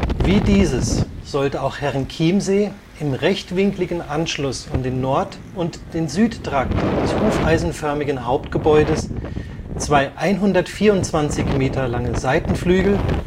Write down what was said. Wie dieses, sollte auch Herrenchiemsee im rechtwinkligen Anschluss an den Nord - und den Südtrakt des hufeisenförmigen Hauptgebäudes zwei 124 Meter lange Seitenflügel